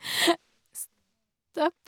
Stopp.